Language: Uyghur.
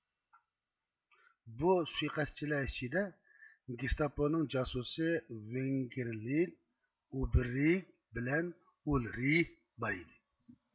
بۇ سۇيىقەستچىلەر ئىچىدە گېستاپونىڭ جاسۇسى ۋېنگرلېد ئوبېرگ بىلەن ئۇلرىھ بار ئىدى